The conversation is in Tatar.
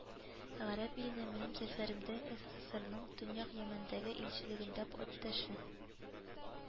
Гарәп иленә минем сәфәремдә эСэСэСэРның Төньяк Йәмәндәге илчелегендә атташе